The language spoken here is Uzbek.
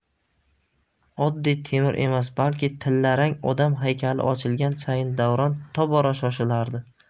oddiy temir emas balki tillarang odam haykali ochilgani sayin davron tobora shoshilardi